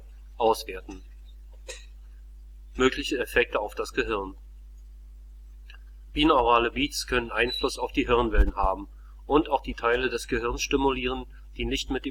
Binaurale Beats können Einfluss auf die Hirnwellen haben und auch die Teile des Gehirns stimulieren, die nicht mit